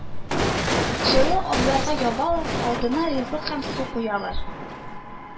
Җылы абзарга ябалар, алдына ризык һәм су куялар